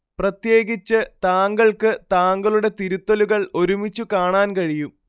പ്രത്യേകിച്ച് താങ്കൾക്ക് താങ്കളുടെ തിരുത്തലുകൾ ഒരുമിച്ച് കാണാൻ കഴിയും